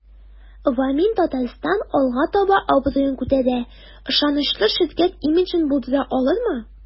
"вамин-татарстан” алга таба абруен күтәрә, ышанычлы ширкәт имиджын булдыра алырмы?